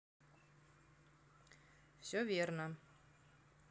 все верно